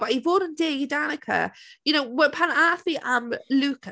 A i fod yn deg i Danica you know, w- pan aeth hi am Luca...